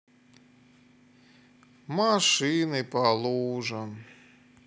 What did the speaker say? машины по лужам